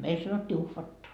meillä sanottiin uhvatta